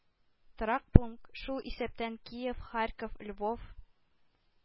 Торак пункт (шул исәптән киев, харьков, львов,